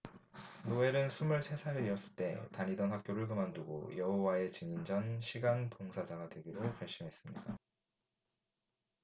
노엘은 스물세 살이었을 때 다니던 학교를 그만두고 여호와의 증인 전 시간 봉사자가 되기로 결심했습니다